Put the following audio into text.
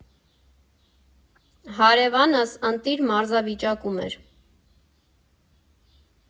Հարևանս ընտիր մարզավիճակում էր։